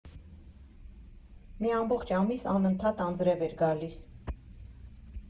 Մի ամբողջ ամիս անընդհատ անձրև էր գալիս։